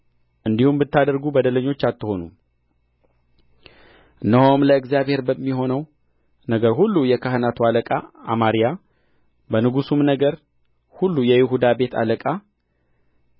እንዲህም ብታደርጉ በደለኞች አትሆኑም እነሆም ለእግዚአብሔር በሚሆነው ነገር ሁሉ የካህናቱ አለቃ አማርያ በንጉሡም ነገር ሁሉ የይሁዳ ቤት አለቃ